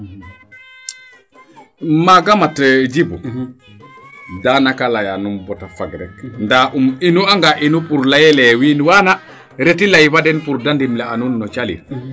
maaga mat Djiby danaka leyaanum bata fag rek ndaa im inu anga inu pour leyele wiin waana reti ley fa den pour de ndimle a nuun no calir